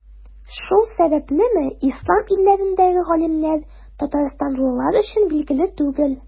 Шул сәбәплеме, Ислам илләрендәге галимнәр Татарстанлылар өчен билгеле түгел.